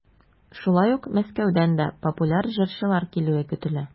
Шулай ук Мәскәүдән дә популяр җырчылар килүе көтелә.